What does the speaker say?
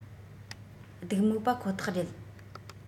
སྡུག མོ པ ཁོ ཐག རེད